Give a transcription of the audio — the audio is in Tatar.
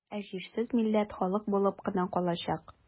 Ә җирсез милләт халык булып кына калачак.